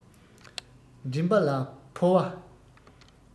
མགྲིན པ ལ ཕོ བ